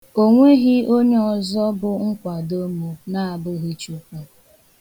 O nweghị onye ọzọ bụ nkwado mụ na abụghị Chukwu.